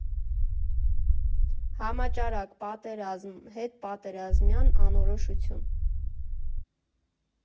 Համաճարակ, պատերազմ, հետպատերազմյան անորոշություն։